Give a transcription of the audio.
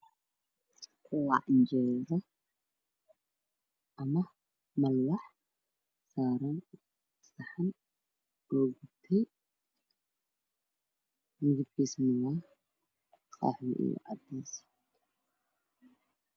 Waa canjeero midabkeedu ka kooban yahay madow jaallo waxa ay saaran tahay warq caddaan